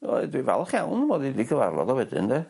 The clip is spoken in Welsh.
o dwi falch iawn bo' fi 'di cyfarfod o wedyn 'de.